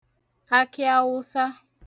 akịawụsa